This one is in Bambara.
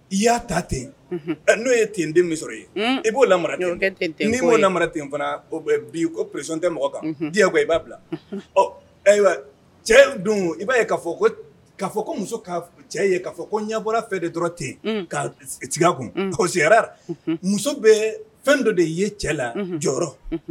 I y'a ta ten n'o ye ten denmi sɔrɔ ye i b'o la ten ni'i'omara ten fana o bi ko presɔnon tɛ mɔgɔ kan i b'a bila cɛ don i b'a ye ka fɔ k' fɔ ko muso cɛ ye' fɔ ko ɲɛ bɔra fɛn de dɔrɔn ten kaig kunsiyara muso bɛ fɛn dɔ de ye cɛ la jɔyɔrɔ